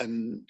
yn